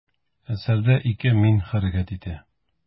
Әсәрдә ике «мин» хәрәкәт итә.